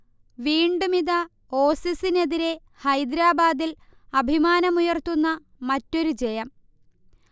വീണ്ടുമിതാ, ഓസീസിനെതിരെ ഹൈദരാബാദിൽ അഭിമാനമുയർത്തുന്ന മറ്റൊരു ജയം